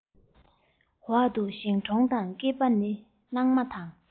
འོག ཏུ ཞིང གྲོང དང སྐེད པ ནི གླང མ དང